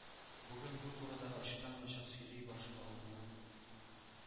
Бүген бу турыда ачыктан-ачык сөйли башлауны